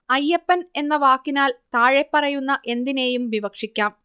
അയ്യപ്പൻ എന്ന വാക്കിനാൽ താഴെപ്പറയുന്ന എന്തിനേയും വിവക്ഷിക്കാം